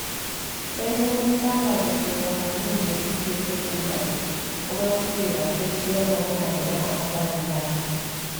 Sai dai mun saba da shugabannin da suke sakin baki, kuma suke yasasshiyar magana idan aka faranta musu.